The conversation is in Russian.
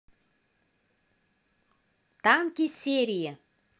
танки серии